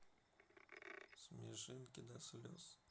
смешинки до слез